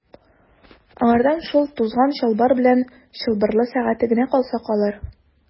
Аңардан шул тузган чалбар белән чылбырлы сәгате генә калса калыр.